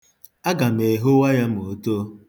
Aga m ehogha ya ma o too.